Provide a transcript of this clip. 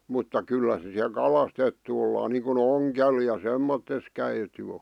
mutta kyllä se siellä kalastettu ollaan niin kuin ongella ja semmoisessa käyty on